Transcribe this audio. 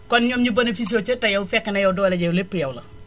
kon ñoom ñu bonofisuwoo sa te yow fekk na yow doole ja lépp yow la